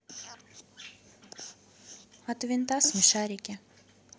от винта смешарики